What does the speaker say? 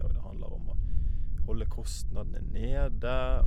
Og det handler om å holde kostnadene nede.